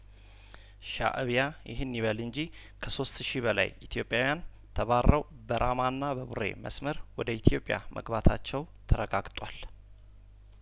ሻእቢያ ይህን ይበል እንጂ ከሶስት ሺህ በላይ ኢትዮጵያውያን ተባረው በራማና በቡሬ መስመር ወደ ኢትዮጵያ መግባታቸው ተረጋግጧል